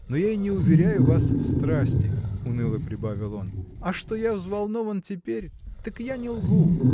Но я и не уверяю вас в страсти, — уныло прибавил он, — а что я взволнован теперь — так я не лгу.